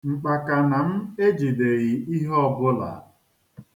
Mkpakana m ejideghi ihe ọbụla.